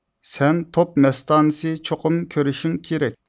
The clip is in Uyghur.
سەن توپ مەستانىسى چوقۇم كۆرۈشۈڭ كېرەك